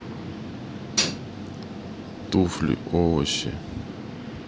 туфли овощи